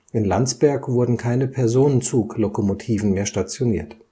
in Landsberg wurden keine Personenzuglokomotiven mehr stationiert